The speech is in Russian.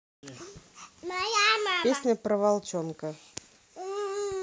песня про волчонка